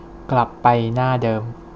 กลับไปหน้าเดิม